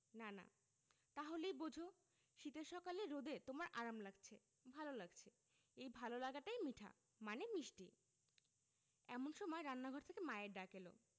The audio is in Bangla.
নানা তা হলেই বোঝ শীতের সকালে রোদে তোমার আরাম লাগছে ভালো লাগছে এই ভালো লাগাটাই মিঠা মানে মিষ্টি এমন সময় রান্নাঘর থেকে মায়ের ডাক এলো